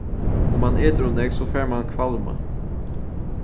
um mann etur ov nógv so fær mann kvalma